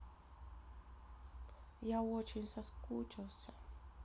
я очень соскучился